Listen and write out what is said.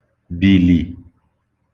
bìlì